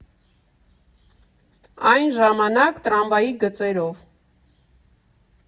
Այն ժամանակ՝ տրամվայի գծերով։